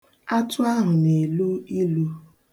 Atụ ahụ na-elu ilu.